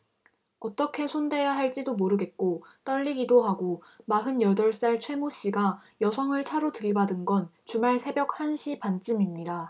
어떻게 손대야 할지도 모르겠고 떨리기도 하고 마흔 여덟 살 최 모 씨가 여성을 차로 들이받은 건 주말 새벽 한 시 반쯤입니다